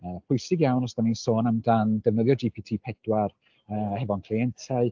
yy pwysig iawn os yda ni'n sôn amdan defnyddio GPT pedwar efo'n clientau,